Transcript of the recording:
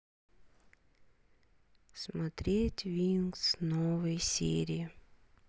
смотреть винкс новые серии